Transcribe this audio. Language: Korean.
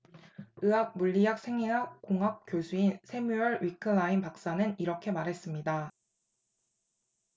의학 물리학 생의학 공학 교수인 새뮤얼 위클라인 박사는 이렇게 말했습니다